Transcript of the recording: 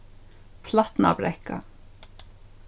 flatnabrekka